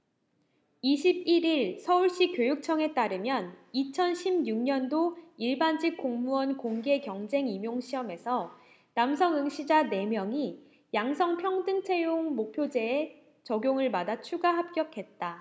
이십 일 일 서울시교육청에 따르면 이천 십 육 년도 일반직공무원 공개경쟁임용시험에서 남성 응시자 네 명이 양성평등채용목표제의 적용을 받아 추가 합격했다